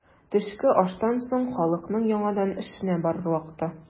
Төшке аштан соң халыкның яңадан эшенә барыр вакыты.